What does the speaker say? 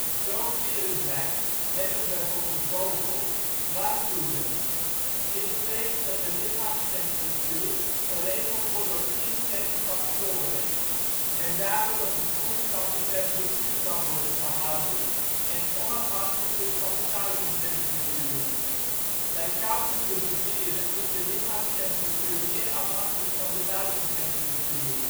Zoogdieren zijn, net als bijvoorbeeld vogels, warmbloedig. Dit betekent dat de lichaamstemperatuur geregeld wordt door interne factoren, en daardoor op een constante temperatuur kan worden gehouden (homeotherm) en onafhankelijk is van de buitentemperatuur. Bij koudbloedige dieren is de lichaamstemperatuur meer afhankelijk van de buitentemperatuur